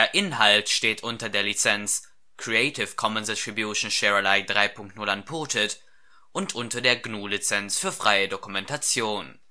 Inhalt steht unter der Lizenz Creative Commons Attribution Share Alike 3 Punkt 0 Unported und unter der GNU Lizenz für freie Dokumentation